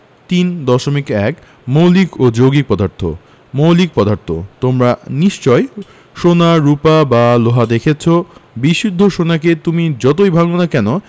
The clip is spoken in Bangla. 3.1 মৌলিক ও যৌগিক পদার্থঃ মৌলিক পদার্থ তোমরা নিশ্চয় সোনা রুপা বা লোহা দেখেছ বিশুদ্ধ সোনাকে তুমি যতই ভাঙ না কেন